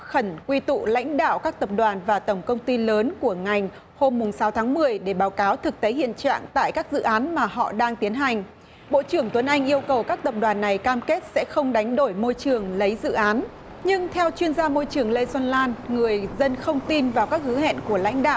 khẩn quy tụ lãnh đạo các tập đoàn và tổng công ty lớn của ngành hôm mùng sáu tháng mười để báo cáo thực tế hiện trạng tại các dự án mà họ đang tiến hành bộ trưởng tuấn anh yêu cầu các tập đoàn này cam kết sẽ không đánh đổi môi trường lấy dự án nhưng theo chuyên gia môi trường lê xuân lan người dân không tin vào các hứa hẹn của lãnh đạo